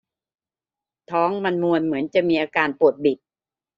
ท้องมันมวนเหมือนจะมีอาการปวดบิด